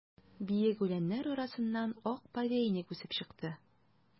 Биек үләннәр арасыннан ак повейник үсеп чыкты.